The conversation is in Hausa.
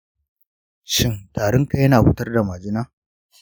shin tarinka yana fitar da majina?